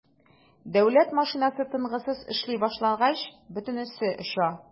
Дәүләт машинасы тынгысыз эшли башлагач - бөтенесе оча.